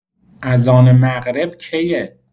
اذان مغرب کیه؟